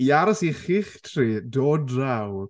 i aros i'ch chi'ch tri dod draw.